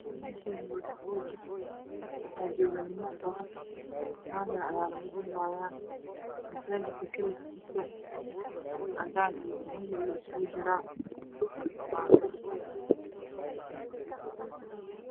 Mashan waa masajid waxaa joogo nin badan camera aa laga dubaya masajidka kalar kisi waa cadan iyo dahabi dhulka waa dahabi